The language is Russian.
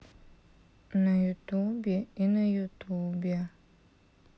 на ютубе и на ютубе